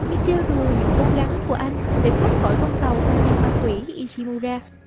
như trêu đùa những cố gắng của anh để thoát khỏi con tàu không gian ma quỷ ishimura